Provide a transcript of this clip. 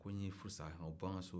ko n y'e furu sa bɔ an ka so